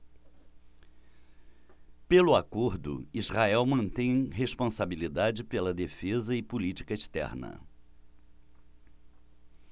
pelo acordo israel mantém responsabilidade pela defesa e política externa